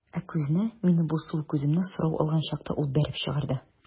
Ә күзне, минем бу сул күземне, сорау алган чакта ул бәреп чыгарды.